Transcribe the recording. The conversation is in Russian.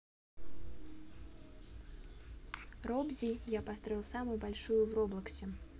robzi я построил самую большую в роблоксе